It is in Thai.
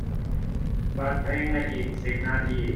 เปิดเพลงในอีกสิบนาที